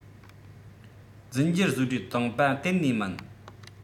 རྫས འགྱུར བཟོ གྲྭས བཏང པ གཏན ནས མིན